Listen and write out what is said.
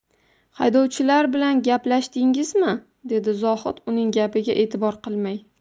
haydovchilar bilan gaplashdingizmi dedi zohid uning gapiga e'tibor qilmay